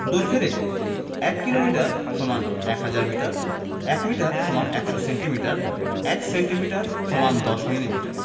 দৈর্ঘ্যের এককঃ ১ কিলোমিটার সমান ১০০০ মিটার ১ মিটার সমান ১০০ সেন্টিমিটার ১ সেন্টিমিটার সমান ১০ মিলিমিটার